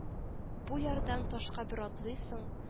Бу ярдан ташка бер атлыйсың